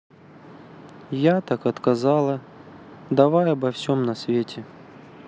я отказала давай обо всем на свете